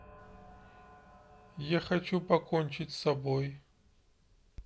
я хочу покончить с собой